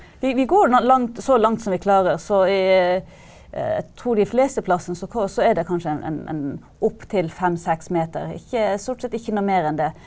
vi vi går nå langt så langt som vi klarer så jeg tror de fleste plassene så så er det kanskje en en en opptil fem seks meter, ikke stort sett ikke noe mer enn det.